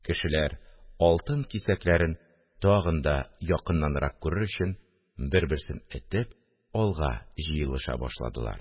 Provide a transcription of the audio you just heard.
Кешеләр, алтын кисәкләрен тагын да якыннанрак күрер өчен, бер-берсен этеп, алга җыелыша башладылар